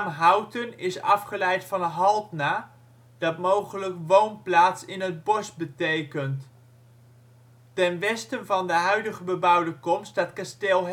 Houten is afgeleid van " Haltna ", dat mogelijk " woonplaats in het bos " betekent (Groenedijk, 2000). Ten westen van de huidige bebouwde kom staat Kasteel